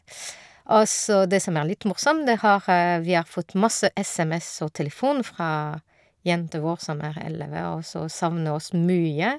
Og så det som er litt morsom, det har vi har fått masse SMS og telefon fra jenta vår som er elleve og så savner oss mye.